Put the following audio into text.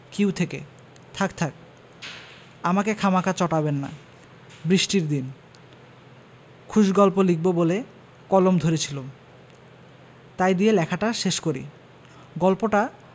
Q থেকে থাক্ থাক্ আমাকে খামাখা চটাবেন না বৃষ্টির দিন খুশ গল্প লিখব বলে কলম ধরেছিলুম তাই দিয়ে লেখাটা শেষ করি গল্পটা